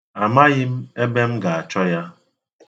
Amaghị m ebe m ga-achọ ya.